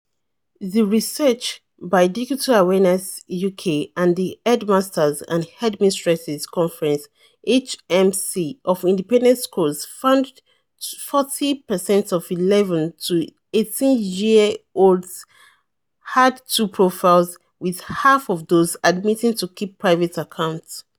The research, by Digital Awareness UK and the Headmasters" and Headmistresses" Conference (HMC) of independent schools, found 40 per cent of 11 to 18-year-olds had two profiles, with half of those admitting to keeping private accounts.